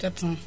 sept cent